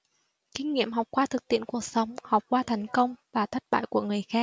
kinh nghiệm học qua thực tiễn cuộc sống học qua thành công và thất bại của người khác